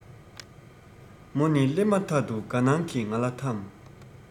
མོ ནི སླེབ མ ཐག ཏུ དགའ སྣང གི ང ལ ཐམས